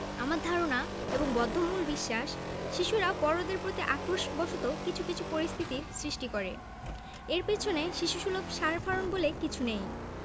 আমার ধারণা এবং বদ্ধমূল বিশ্বাস শিশুরা বড়দের প্রতি আক্রোশ বসত কিছু কিছু পরিস্থিতির সৃষ্টি করে এর পেছনে শিশুসুলভ সার ফারন বলে কিছু নেই